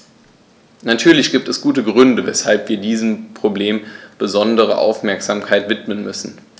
Natürlich gibt es gute Gründe, weshalb wir diesem Problem besondere Aufmerksamkeit widmen müssen.